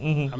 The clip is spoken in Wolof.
tool